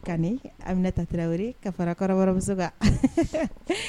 Kan a bɛna ta tarawele ka faramuso kan